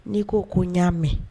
N'i ko ko y'a mɛn.